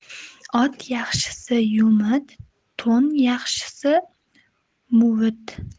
ot yaxshisi yovmut to'n yaxshisi movut